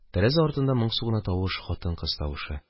Тәрәзә артында моңсу гына тавыш, хатын-кыз тавышы: